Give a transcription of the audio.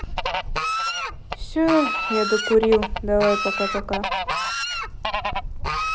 все я докурил давай пока пока